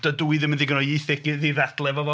Dydw i ddim yn ddigon o ieithegydd i ddadlau efo fo.